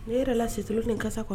Ne yɛrɛ ka si tulu ni kasa ko